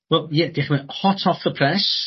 Wel ie dioch yn faw- hot off the press